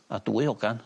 A dwy ogan.